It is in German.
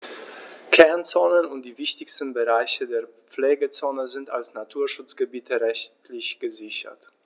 Kernzonen und die wichtigsten Bereiche der Pflegezone sind als Naturschutzgebiete rechtlich gesichert.